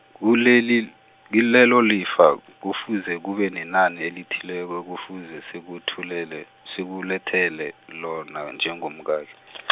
kileli, kilelo lifa kufuze kube nenani elithileko okufuze sikuthulele- sikulethele lona, njengomkakhe .